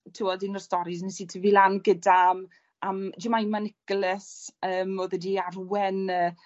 t'wod un o'r storis nes i tyfu lan gyda am am Jemima Nicholas yym odd 'edi arwen y